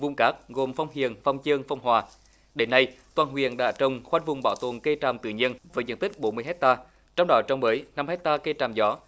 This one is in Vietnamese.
vùng cát gồm phong hiền phong chương phong hòa đến nay toàn huyện đã trồng khoanh vùng bảo tồn cây trồng tự nhiên và diện tích bốn mươi héc ta trong đó trồng bưởi năm héc ta cây tràm gió